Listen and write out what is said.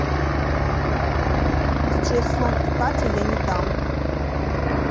dj slon и katya я не дам